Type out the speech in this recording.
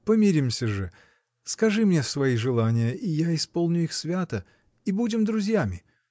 Помиримся же: скажи мне свои желания, я исполню их свято. и будем друзьями!